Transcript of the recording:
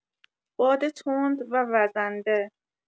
باد تند و وزنده